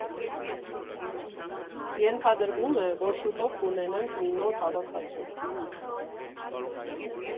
Ենթադրվում է, որ շուտով կունենանք մի նոր հավաքածու։